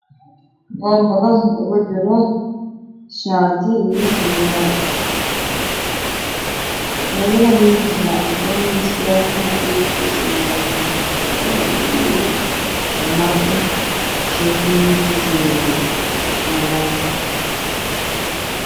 Boonbale oo ku jira shaati io surwaal boonbalaha midabkiisuna waa cadaan surwaal kana waa madow half ah shaatigana waa cagaar